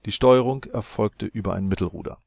Steuerung erfolgte über ein Mittelruder